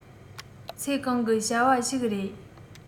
ཚེ གང གི བྱ བ ཞིག རེད